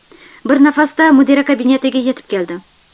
bir nafasda mudira kabinetiga yetib keldim